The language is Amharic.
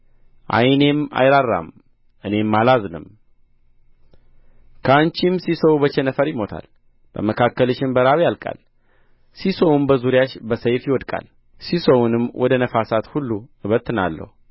ዓይኔም አይራራም እኔም አላዝንም ከአንቺም ሢሶው በቸነፈር ይሞታል በመካከልሽም በራብ ያልቃል ሢሶውም በዙሪያሽ በሰይፍ ይወድቃል ሢሶውንም ወደ ነፋሳት ሁሉ እበትናለሁ